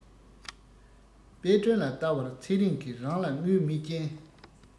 དཔལ སྒྲོན ལ བལྟ བར ཚེ རིང གི རང ལ དངུལ མེད རྐྱེན